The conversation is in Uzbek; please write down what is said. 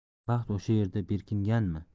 baxt o'sha yerda berkinganmi